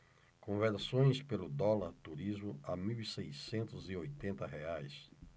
conversões pelo dólar turismo a mil seiscentos e oitenta reais